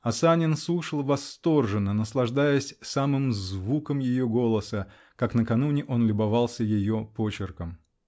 А Санин слушал восторженно, наслаждаясь самым звуков ее голоса, как накануне он любовался ее почерком.